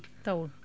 tawul